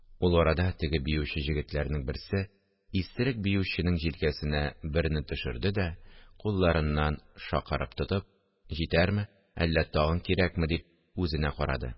Ул арада теге биюче җегетләрнең берсе исерек биюченең җилкәсенә берне төшерде дә, кулларыннан шакарып тотып: – Җитәрме, әллә тагын кирәкме? – дип үзенә карады